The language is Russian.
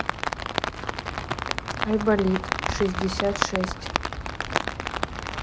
айболит шестьдесят шесть